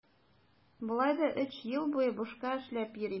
Болай да өч ел буе бушка эшләп йөрим.